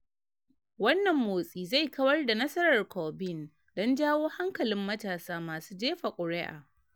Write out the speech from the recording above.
Wannan motsi zai kawar da nasarar Corbyn don jawo hankalin matasa masu jefa kuri'a